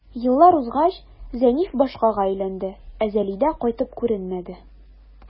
Еллар узгач, Зәниф башкага өйләнде, ә Зәлидә кайтып күренмәде.